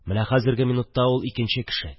Менә хәзерге минутта ул икенче кеше